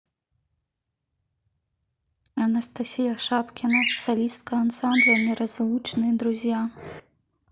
анастасия шапкина солистка ансамбля неразлучные друзья